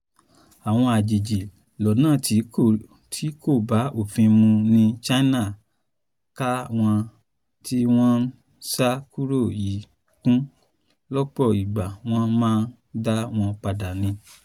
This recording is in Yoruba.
Àwọn àjèjì ̀lọ́nà tí kò bá òfin mu ni China ka àwọn tí wọ́n ń sá kúrò yí kún. Lọ́pọ̀ ìgbà, wọ́n máa dá wọn padà ni.